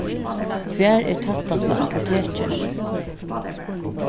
hvar er tættasta apotekið